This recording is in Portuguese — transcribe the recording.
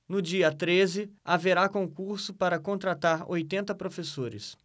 no dia treze haverá concurso para contratar oitenta professores